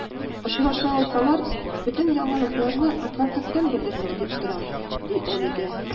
Очраша алсалар, бөтен яңалыкларны адвокаттан белермен дип торам, ди Алидә.